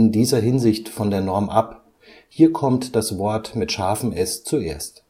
dieser Hinsicht von der Norm ab: hier kommt das Wort mit ß zuerst